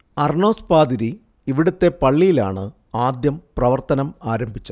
Arnos പാതിരി ഇവിടത്തെ പള്ളിയിലാണ് ആദ്യം പ്രവർത്തനം ആരംഭിച്ചത്